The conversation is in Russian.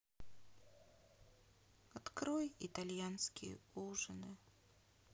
открой итальянские ужины